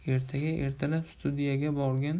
ertaga ertalab studiyaga borgin